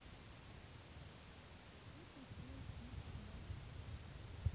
что такое курс валют